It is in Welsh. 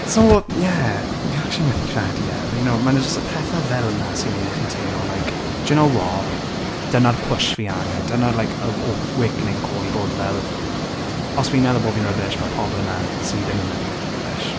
So ie, fi actually methu credu e, you know mae 'na jyst y pethe fel 'na sy'n wneud i chi teimlo, like, do you know what, dyna'r push fi angen, dyna'r like awakening call i bod fel, os fi'n meddwl bod fi'n rubbish, mae pobl yna sydd ddim yn meddwl bo fi'n rubbish.